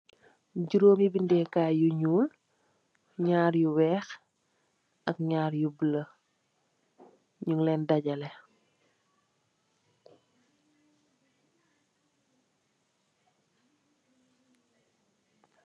Joromi bindeh kay yu ñul, nyaar yu weex ak nyaar yu bula, ñung len dajaleh.